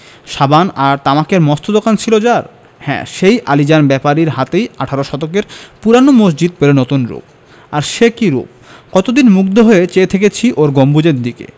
সাবান আর তামাকের মস্ত দোকান ছিল যার হ্যাঁ সেই আলীজান ব্যাপারীর হাতেই আঠারো শতকের পুরোনো মসজিদ পেলো নতুন রুপ আর সে কি রুপ কতদিন মুগ্ধ হয়ে চেয়ে থেকেছি ওর গম্বুজের দিকে